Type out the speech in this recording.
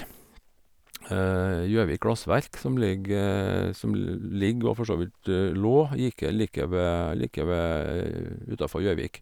Gjøvik Glassverk, som ligger som ligger, og forsåvidt lå, jike like ved like ved utafor Gjøvik.